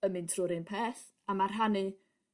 yn mynd trw'r un peth a ma rhannu